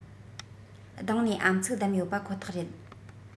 སྡང ནས ཨམ གཙིགས བསྡམས ཡོད པ ཁོ ཐག རེད